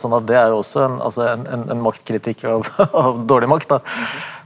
sånn at det er jo også en altså en en en maktkritikk av av dårlig makt da.